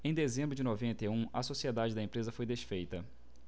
em dezembro de noventa e um a sociedade da empresa foi desfeita